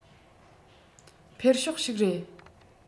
འཕེལ ཕྱོགས ཤིག རེད